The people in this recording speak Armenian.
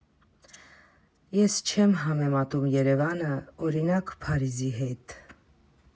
Ես չեմ համեմատւմ Երևանը, օրինակ, Փարիզի հետ.